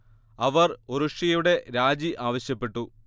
അവർ ഉറുഷ്യയുടെ രാജി ആവശ്യപ്പെട്ടു